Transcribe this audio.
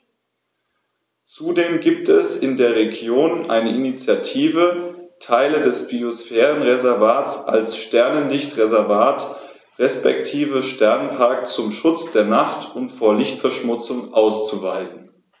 Zudem gibt es in der Region eine Initiative, Teile des Biosphärenreservats als Sternenlicht-Reservat respektive Sternenpark zum Schutz der Nacht und vor Lichtverschmutzung auszuweisen.